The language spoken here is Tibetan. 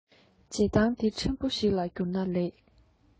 བྱེད བཏང འདི ཕྲན བུ ཞིག རྒྱུར ན ལེགས